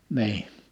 niin